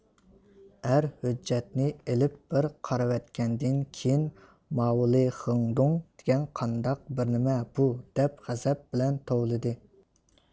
ئەر ھۆججەتنى ئېلىپ بىر قارىۋەتكەندىن كېيىن ماۋۇلىخېڭدوڭ دېگەن قانداق بىر نېمە بۇ دەپ غەزەپ بىلەن توۋلىدى